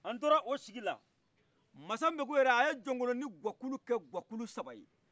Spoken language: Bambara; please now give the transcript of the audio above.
a tora o sigila masa mbekun yɛre a ye jɔnkoloni guakulu kɛ guakulu sabaye